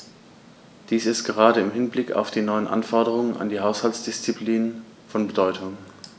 Dies ist gerade im Hinblick auf die neuen Anforderungen an die Haushaltsdisziplin von Bedeutung.